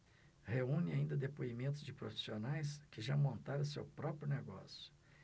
reúne ainda depoimentos de profissionais que já montaram seu próprio negócio